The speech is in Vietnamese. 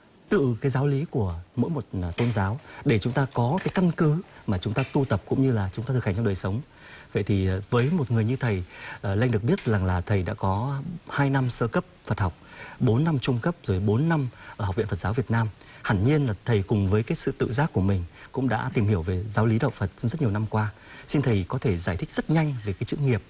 tự cái giáo lý của mỗi một tôn giáo để chúng ta có cái căn cứ mà chúng ta tu tập cũng như là chúng ta thực hành trong đời sống vậy thì với một người như thầy linh được biết rằng là thầy đã có hai năm sơ cấp phật học bốn năm trung cấp rồi bốn năm ở học viện phật giáo việt nam hẳn nhiên là thầy cùng với sự tự giác của mình cũng đã tìm hiểu về giáo lý đạo phật rất nhiều năm qua xin thầy có thể giải thích rất nhanh về cái chữ nghiệp